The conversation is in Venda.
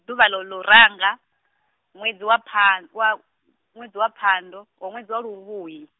ḓuvha ḽo ḽo ranga , ṅwedzi wa phan- wa ṅwedzi wa phando o ṅwedzi wa luhuhi.